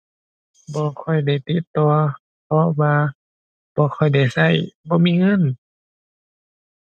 บ่ค่อยได้ติดต่อ เพราะว่าบ่ค่อยได้ใช้ บ่มีเงิน